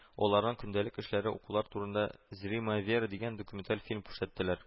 Аларның көндәлек эшләре, укулары турында “зримая вера” дигән документаль фильм күрсәтеләр